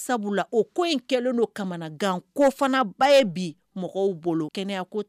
Sabula o ko in kɛlen don kamanagan ko fana ba ye bi mɔgɔw bolo kɛnɛya ko t